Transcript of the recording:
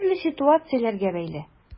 Төрле ситуацияләргә бәйле.